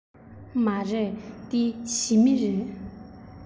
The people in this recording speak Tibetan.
མ རེད འདི ཞི མི རེད